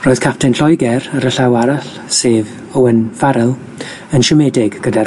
Roedd capten Lloeger ar y llaw arall, sef Owen Farrel, yn siomedig gyda'r